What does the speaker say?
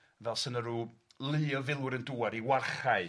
fel sa' 'na ryw lu o filwyr yn dŵad i warchau